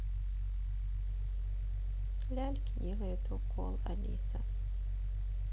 ляльке делают укол алиса